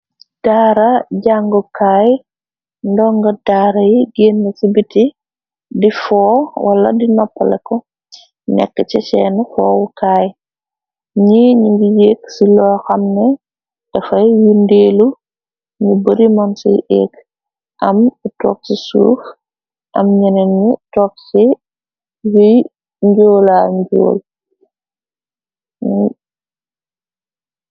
Daara jàngukaay ndonga daara yi génn ci biti di foo wala di noppale ko nekk ca seen xoowukaay ñi ñi ngi yéeg ci loo xamne dafay yu ndeelu ñu bari mon ci éc am toxs suuf am ñenen ni togsi yuy njoolaa njool.